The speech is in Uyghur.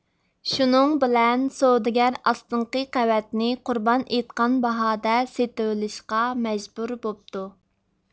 شۇنىڭ بىلەن سودىگەر ئاستىنقى قەۋەتنى قۇربان ئېيتقان باھادا سېتىۋېلىشقا مەجبۇر بوپتۇ